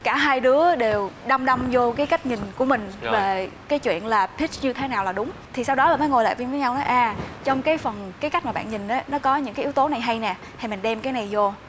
cả hai đứa đều đăm đăm dô cái cách nhìn của mình về cái chuyện là thích như thế nào là đúng thì sau đó mới ngồi lại với nhau quá à trong cái phần cái cách mà bạn nhìn nó có những yếu tố này hay nè hay mình đem cái này dô